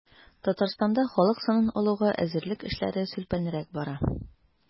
Татарстанда халык санын алуга әзерлек эшләре сүлпәнрәк бара.